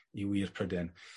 I wŷr Pryden.